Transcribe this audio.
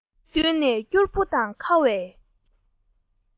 བསྟུན ནས སྐྱུར པོ དང ཁ བའི